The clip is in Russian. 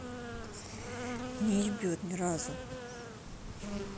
не ебет ни разу